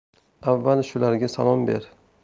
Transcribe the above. avval shularga salom ber